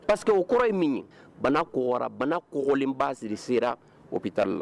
Parce que o kɔrɔ ye min ye bana kora bana kolenbasiri sera opitari la